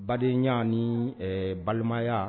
Baden y' ni balimaya